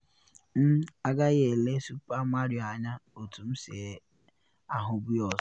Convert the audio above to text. M, agaghị ele Super Mario anya otu m si ahụbu ya ọzọ.